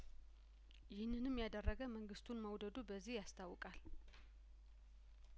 ይህንንም ያደረገ መንግስቱን መውደዱ በዚህ ያስታው ቃል